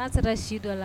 an sera si dɔ la